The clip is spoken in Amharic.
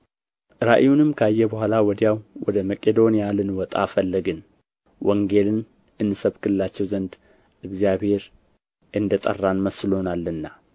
ራእዩንም ካየ በኋላ ወዲያው ወደ መቄዶንያ ልንወጣ ፈለግን ወንጌልን እንሰብክላቸው ዘንድ እግዚአብሔር እንደ ጠራን መስሎናልና